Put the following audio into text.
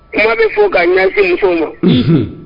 Kuma be fo k'a ɲɛsin musow ma unhun